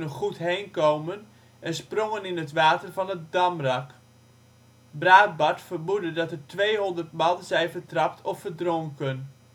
goed heenkomen en sprongen in het water van het Damrak. Braatbard vermoedde dat er tweehonderd man zijn vertrapt of verdronken